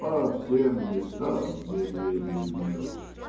По всем местам медведей бьют.